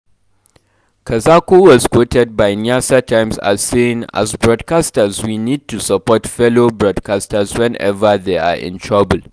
Kazako was quoted by Nyasatimes as saying: “As broadcasters, we need to support fellow broadcasters whenever they are in trouble.